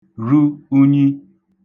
ru unyi